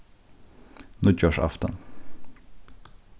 nýggjársaftan